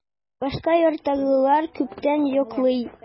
Башка йорттагылар күптән йоклый.